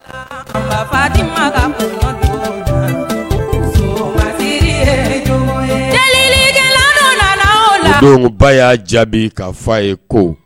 Saba fa la la ko ba y'a jaabi k' fɔ a ye ko